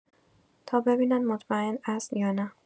تا ببیند مطمئن است یا نه